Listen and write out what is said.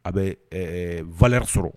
A bɛ v sɔrɔ